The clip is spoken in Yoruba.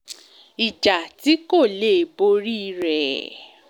Ìjà tí kò lè borí rèé.